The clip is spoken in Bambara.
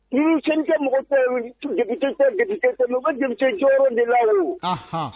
Numu denmisɛnninkɛ mɔgɔ denmisɛnnin jɔyɔrɔ min la